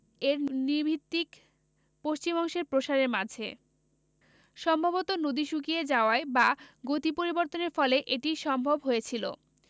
এর নি ভিত্তির পশ্চিম অংশের প্রসারের মাঝে সম্ভবত নদী শুকিয়ে যাওয়ায় বা গতি পরিবর্তনের ফলে এটি সম্ভব হয়েছিল